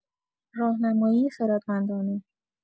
راهنمایی خردمندانه